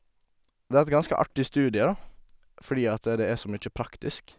Det er et ganske artig studie, da, fordi at det er så mye praktisk.